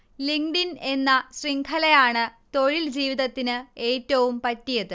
linked in എന്ന ശൃംഖലയാണ് തൊഴിൽജീവിതത്തിന് ഏറ്റവും പറ്റിയത്